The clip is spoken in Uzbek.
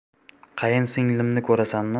qayinsinglimni ko'rasanmi